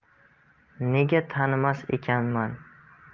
nega tanimas ekanman